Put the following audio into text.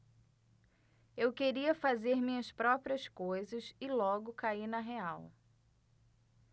eu queria fazer minhas próprias coisas e logo caí na real